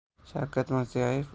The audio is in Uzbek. shavkat mirziyoyev